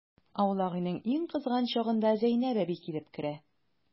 Аулак өйнең иң кызган чагында Зәйнәп әби килеп керә.